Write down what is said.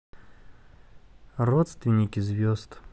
родственники звезд